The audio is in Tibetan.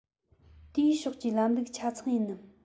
དེའི ཕྱོགས ཀྱི ལམ ལུགས ཆ ཚང ཡིན ནམ